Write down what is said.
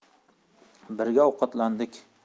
birga ovqatlandik